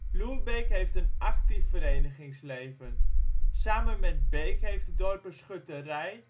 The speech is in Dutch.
Loerbeek heeft een actief verenigingsleven. Samen met Beek heeft het dorp een schutterij